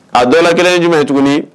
A dɔ la kelen jumɛn tugun